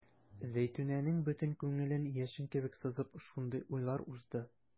Зәйтүнәнең бөтен күңелен яшен кебек сызып шундый уйлар узды.